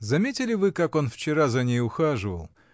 Заметили ли вы, как он вчера за ней ухаживал?